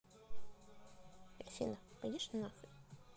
афина пойдешь нахуйне